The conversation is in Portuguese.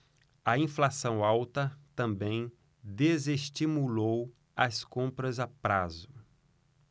a inflação alta também desestimulou as compras a prazo